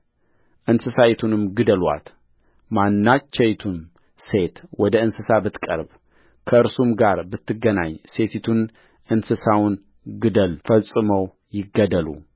እንስሳይቱንም ግደሉአትማናቸይቱም ሴት ወደ እንስሳ ብትቀርብ ከእርሱም ጋር ብትገናኝ ሴቲቱንና እንስሳውን ግደል ፈጽመው ይገደሉ